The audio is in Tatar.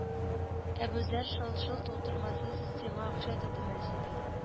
Әбүзәр шалт-шолт утырмаса сиңа акча тәтемәс иде